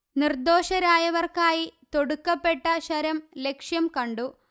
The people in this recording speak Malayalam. നിര്ദോഷരായവര്ക്കായി തൊടുക്കപ്പെട്ട ശരം ലക്ഷ്യം കണ്ടു